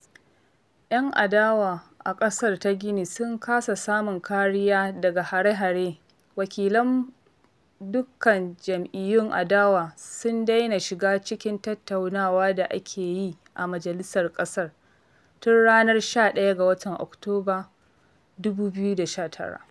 Yan adawa a ƙasar ta Gini sun kasa samun kariya daga hare-hare: wakilan dukkan jam'iyyun adawa sun daina shiga cikin tattaunawa da ake yi a majalisar ƙasa tun ranar 11 ga Oktoba 2019.